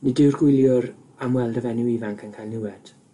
Nid yw'r gwyliwr am weld y fenyw ifanc yn cael niwed,